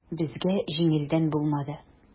Безгә җиңелдән булмады.